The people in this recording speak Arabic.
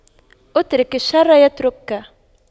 اترك الشر يتركك